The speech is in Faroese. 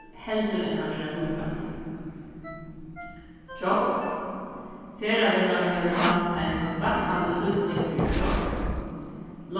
heldur enn at vera húskallar gjógv ferðavinnan hevur havt ein vaksandi týdning fyri gjógv